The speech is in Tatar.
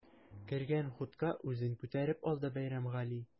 Кергән хутка үзен күтәреп алды Бәйрәмгали.